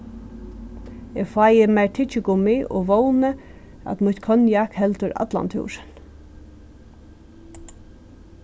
eg fái mær tyggigummi og vóni at mítt konjak heldur allan túrin